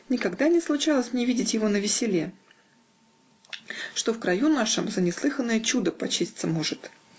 никогда не случалось мне видеть его навеселе (что в краю нашем за неслыханное чудо почесться может)